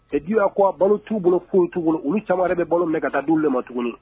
Cɛ di ko a balo t'u bolo kunun tugun olu saba bɛ balo mɛn ka taa duɛlɛ ma tuguni